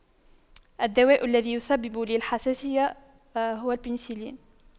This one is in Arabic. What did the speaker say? الدواء الذي يسبب لي الحساسية هو البنسلين